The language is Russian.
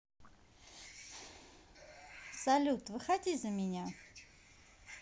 салют выходи за меня